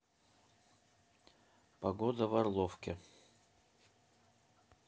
погода в орловке